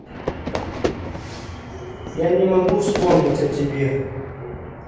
я не могу вспомнить о тебе